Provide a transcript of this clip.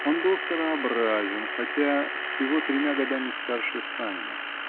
Он был старообразен, хотя всего тремя годами старше Санина.